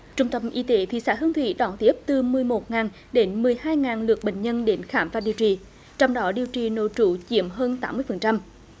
trung tâm y tế thị xã hương thủy đón tiếp từ mười một ngàn đến mười hai ngàn lượt bệnh nhân đến khám và điều trị trong đó điều trị nội trú chiếm hơn tám mươi phần trăm